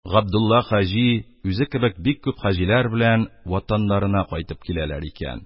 Габдулла хаҗи үзе кебек бик күп хаҗилар белән ватаннарына кайтып киләләр икән,